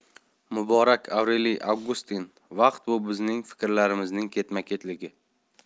muborak avreliy avgustin vaqt bu bizning fikrlarimizning ketma ketligi